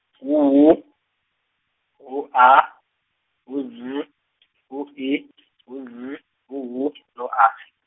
ngu W, ngu A, ngu Z, ngu I, ngu Z, ngu W, no A.